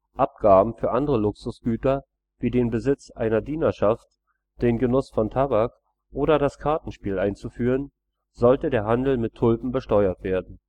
Abgaben für andere Luxusgüter wie den Besitz einer Dienerschaft, den Genuss von Tabak oder das Kartenspiel einzuführen, sollte der Handel mit Tulpen besteuert werden